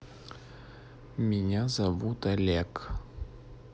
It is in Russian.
меня зовут олег